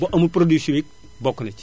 bu amul produit chimique bokk na ci